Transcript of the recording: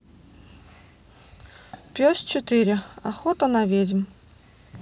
пес четыре охота на ведьм